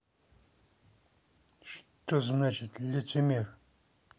что значит лицемер